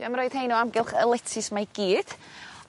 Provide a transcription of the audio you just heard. dwi am roid 'hein o amgylch y letys 'ma i gyd